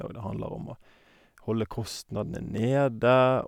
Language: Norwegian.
Og det handler om å holde kostnadene nede.